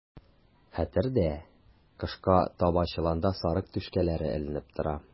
Хәтердә, кышка таба чоланда сарык түшкәләре эленеп тора.